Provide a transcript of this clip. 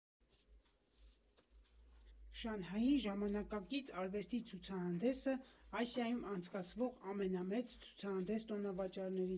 Շանհայի ժամանակակից արվեստի ցուցահանդեսը Ասիայում անցկացվող ամենամեծ ցուցահանդես֊տոնավաճառներից է։